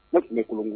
Ne tun bɛ Colombie